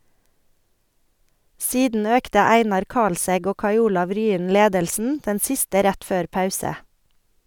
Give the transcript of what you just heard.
Siden økte Einar Kalsæg og Kai Olav Ryen ledelsen, den siste rett før pause.